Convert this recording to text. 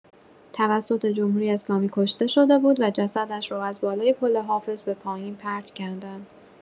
توسط جمهوری‌اسلامی کشته‌شده بود و جسدش رو از بالای پل حافظ به پایین پرت کردند.